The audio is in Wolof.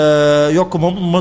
xam nañu lii waaye yokk la